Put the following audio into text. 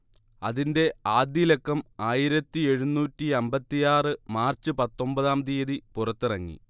അതിന്റെ ആദ്യലക്കം ആയിരത്തിയെഴുന്നൂറ്റിയമ്പത്തിയാറ് മാർച്ച് പത്തൊമ്പതാം തിയതി പുറത്തിറങ്ങി